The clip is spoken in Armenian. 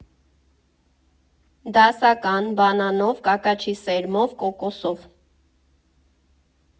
Դասական, բանանով, կակաչի սերմով, կոկոսով։